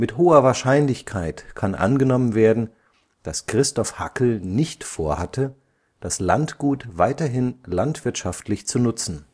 hoher Wahrscheinlichkeit kann angenommen werden, dass Christoff Hackl nicht vorhatte, das Landgut weiterhin landwirtschaftlich zu nutzen